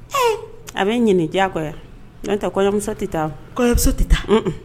A bɛ ɲdiya kɔ yan n bɛ taa kɔmusosa tɛ taa kɔmuso tɛ taa